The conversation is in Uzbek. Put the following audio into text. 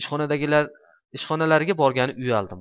ishxonalariga borgani uyaldim